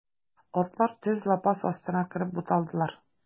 Атлар төз лапас астына кереп буталдылар.